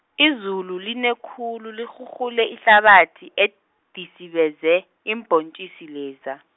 izulu line khulu lirhurhule ihlabathi, edisibeze, iimbontjisi leza.